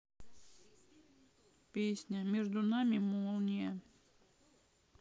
песня между нами молния